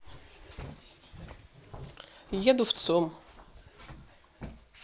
еду в цум